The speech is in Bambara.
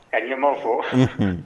Ka ɲɛmaaw fɔ, unhun.